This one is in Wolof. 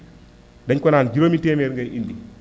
dañ ko naan juróomi téeméer ngay indi